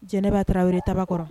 Jɛnɛba Tarawele Tabakɔrɔ